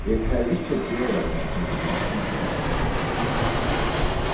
eg fari ikki at gera tað sum tú mælti mær til